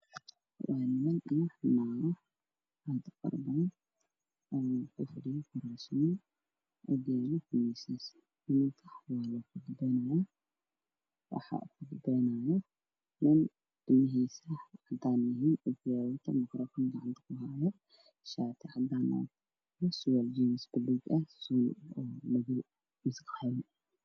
Waa niman iyo naago aad Fara badan ku fadhiya kuraas ag yaalo miisas waxaa u qudbeenaayo nin tumihiisa cadaan yihiin ookiyaalo wato makarafoon gacanta shaati cadaan wato ku haayo wato surwaal jeemis baluug ah suun madow ah mise qaxwi.